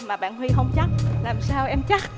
mà bạn huy không chắc làm sao em chắc